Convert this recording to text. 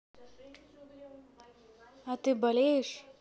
а ты болеешь